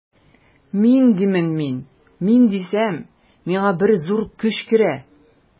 Мин димен мин, мин дисәм, миңа бер зур көч керә.